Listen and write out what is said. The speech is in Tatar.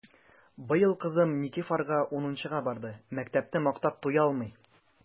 Быел кызым Никифарга унынчыга барды— мәктәпне мактап туялмый!